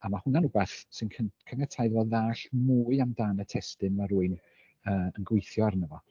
A ma' hwnna'n wbath sy'n caniatáu iddo fo ddallt mwy amdan y testun ma' rywun yy yn gweithio arno fo.